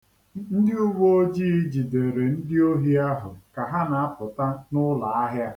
Ndị uweojii jidere ndị ohi ahụ ka ha na-apụta n'ụlaahịa.